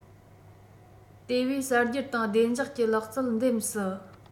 དེ བས གསར སྒྱུར དང བདེ འཇགས ཀྱི ལག རྩལ འདེམས སྲིད